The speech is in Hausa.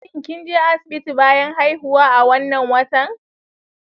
shin kin je asibitin bayan haihuwa a wannan watan?